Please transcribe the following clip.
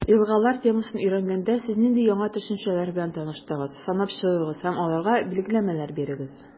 «елгалар» темасын өйрәнгәндә, сез нинди яңа төшенчәләр белән таныштыгыз, санап чыгыгыз һәм аларга билгеләмәләр бирегез.